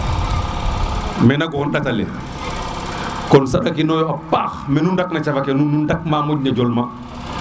menak o xan ɗata le con saɗa kinoox yo a paax menu ndak na cafa ke nuun nu ndak ma moƴ na jol ma